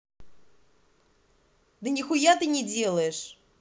да нихуя ты не делаешь